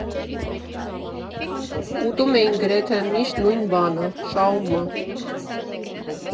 Ուտում էինք գրեթե միշտ նույն բանը՝ շաուրմա։